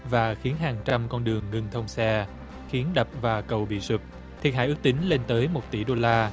và khiến hàng trăm con đường ngưng thông xe khiến đập và cầu bị sụp thiệt hại ước tính lên tới một tỷ đô la